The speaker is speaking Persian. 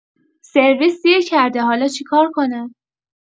سرویس دیر کرده حالا چیکار کنم؟